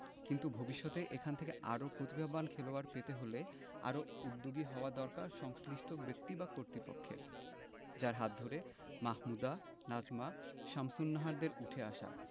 কিন্তু ভবিষ্যতে এখান থেকে আরও প্রতিভাবান খেলোয়াড় পেতে হলে আরও উদ্যোগী হওয়া দরকার সংশ্লিষ্ট ব্যক্তি বা কর্তৃপক্ষের যাঁর হাত ধরে মাহমুদা নাজমা শামসুন্নাহারদের উঠে আসা